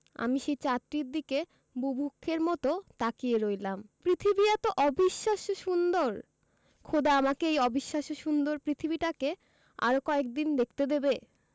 আমি সেই চাঁদটির দিকে বুভুক্ষের মতো তাকিয়ে রইলাম পৃথিবী এতো অবিশ্বাস্য সুন্দর খোদা আমাকে এই অবিশ্বাস্য সুন্দর পৃথিবীটিকে আরো কয়েকদিন দেখতে দেবে